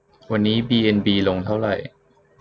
วันนี้บีเอ็นบีลงเท่าไหร่